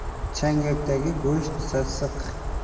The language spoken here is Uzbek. changakdagi go'sht sassiq